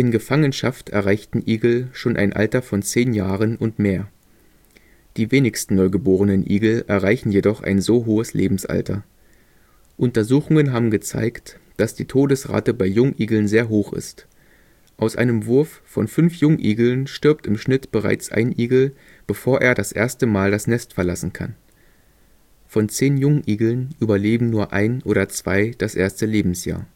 Gefangenschaft erreichten Igel schon ein Alter von zehn Jahren und mehr. Die wenigsten neugeborenen Igel erreichen jedoch ein so hohes Lebensalter. Untersuchungen haben gezeigt, dass die Todesrate bei Jungigeln sehr hoch ist: Aus einem Wurf von fünf Jungigeln stirbt im Schnitt bereits ein Igel, bevor er das erste Mal das Nest verlassen kann. Von zehn Jungigeln überleben nur ein oder zwei das erste Lebensjahr